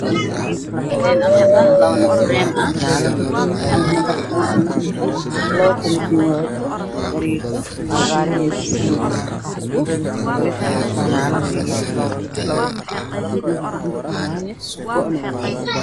Waa qol waxaa yaallo sariir waxaa dul saaran geesaha ka yaalo komidiin ta midabkiisii yahay qaxo